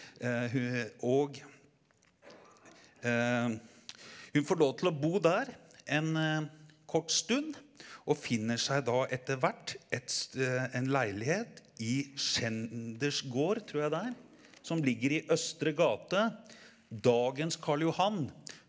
og hun får lov til å bo der en kort stund og finner seg da etter hvert et en leilighet i gård tror jeg det er som ligger i Østre gate dagens Karl Johan.